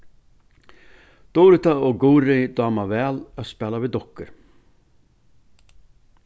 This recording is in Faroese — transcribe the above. durita og guðrið dáma væl at spæla við dukkur